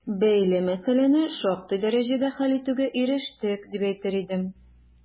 Бәйле мәсьәләне шактый дәрәҗәдә хәл итүгә ирештек, дип әйтер идем.